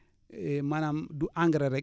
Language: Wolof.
maanaam du engrais rek